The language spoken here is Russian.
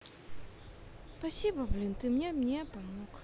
спасибо блин ты мне не помог